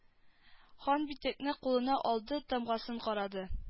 Хан битекне кулына алды тамгасын карады